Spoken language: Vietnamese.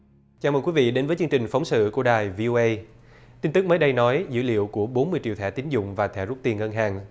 chào mừng quý vị đến với chương trình phóng sự của đài vi ô ây tin tức mới đây nói dữ liệu của bốn mươi triệu thẻ tín dụng và thẻ rút tiền ngân hàng